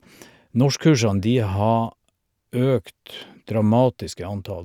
Norskkursene, de har økt dramatisk i antall.